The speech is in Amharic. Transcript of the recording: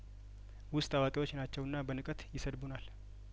ውስጥ አዋቂዎች ናቸውና በንቀት ይሰድቡናል